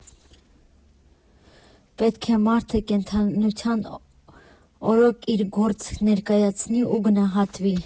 Պետք է մարդը կենդանության օրոք իր գործը ներկայացնի ու գնահատվի։